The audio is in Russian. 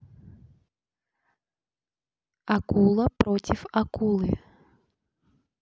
акула против акулы